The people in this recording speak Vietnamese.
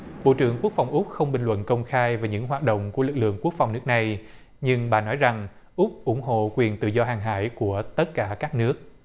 bộ trưởng quốc phòng úc không bình luận công khai về những hoạt động của lực lượng quốc phòng nước này nhưng bà nói rằng úc ủng hộ quyền tự do hàng hải của tất cả các nước